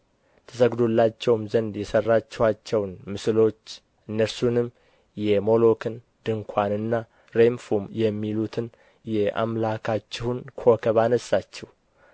ትሰግዱላቸውም ዘንድ የሠራችኋቸውን ምስሎች እነርሱንም የሞሎክን ድንኳንና ሬምፉም የሚሉትን የአምላካችሁን ኮከብ አነሣችሁ